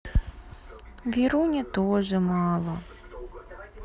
веруни тоже мало